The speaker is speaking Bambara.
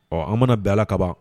Ɔ an mana bɛnla kaban